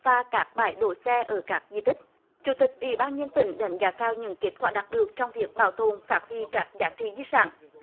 và các bãi đỗ xe ở các di tích chủ tịch ủy ban nhân dân tỉnh đánh giá cao những kết quả đạt được trong việc bảo tồn phát huy các giá trị di sản